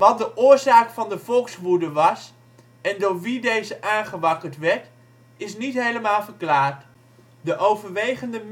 de oorzaak van de volkswoede was en door wie deze aangewakkerd werd, is niet helemaal verklaard. De overwegende mening